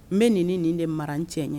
N nin nin de mara cɛ ɲɛ